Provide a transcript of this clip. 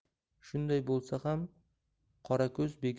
shunday bo'lsa ham qorako'z begim